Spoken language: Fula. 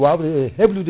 wawɓe heblude